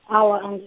awa ange-.